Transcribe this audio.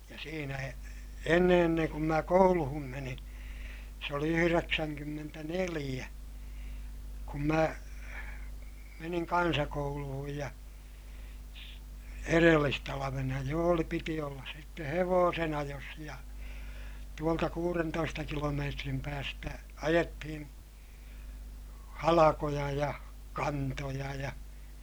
ja siinä - ennen ennen kuin minä kouluun menin se oli yhdeksänkymmentäneljä kun minä menin kansakouluun ja edellistalvena jo oli piti olla sitten hevosen ajossa ja tuolta kuudentoista kilometrin päästä ajettiin halkoja ja kantoja ja